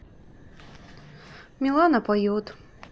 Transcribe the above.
милана поет